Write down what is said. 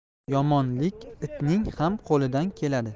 yomonlik itning ham qo'lidan keladi